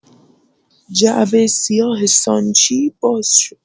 جعبه سیاه سانچی باز شد